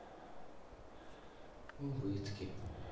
убытки